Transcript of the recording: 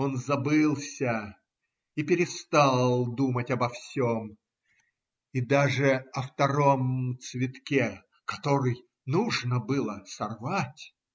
Он забылся и перестал думать обо всем, и даже о втором цветке, который нужно было сорвать.